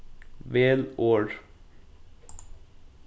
vel orð